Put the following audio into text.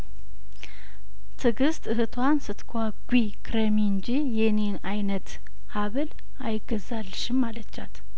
ትግስት እህቷን ስትጓጉ ክረሚ እንጂ የኔን አይነት ሀብል አይገዛልሽም አለቻት